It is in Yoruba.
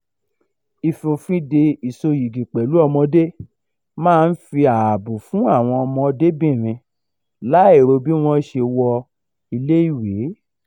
Ìfòfinde ìsoyìgì pẹ̀lú ọmọdé máa ń fi ààbò fún àwọn ọmọdébìnrin, láì ro bí wọ́n ṣe wọ ilé ìwé.